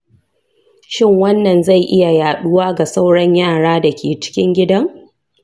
shin wannan zai iya yaɗuwa ga sauran yara da ke cikin gidan?